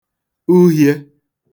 uhiē